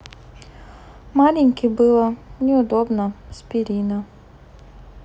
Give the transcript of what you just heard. маленький было неудобно спирина